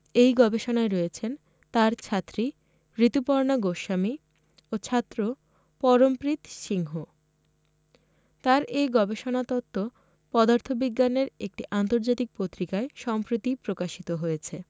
এই গবেষণায় রয়েছেন তার ছাত্রী ঋতুপর্ণা গোস্বামি ও ছাত্র পরমপ্রীত সিংহ তার এই গবেষণা তত্ত্ব পদার্থবিজ্ঞানের একটি আন্তর্জাতিক পত্রিকায় সম্প্রতি প্রকাশিত হয়েছে